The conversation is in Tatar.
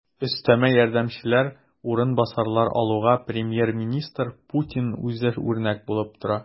Өстәмә ярдәмчеләр, урынбасарлар алуга премьер-министр Путин үзе үрнәк булып тора.